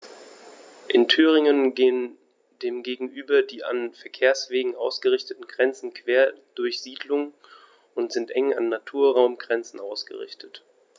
In Thüringen gehen dem gegenüber die an Verkehrswegen ausgerichteten Grenzen quer durch Siedlungen und sind eng an Naturraumgrenzen ausgerichtet.